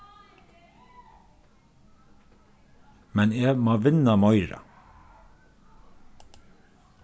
men eg má vinna meira